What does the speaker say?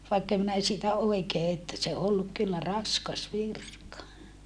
vaikka en minä siitä oikein että se on ollut kyllä raskas virka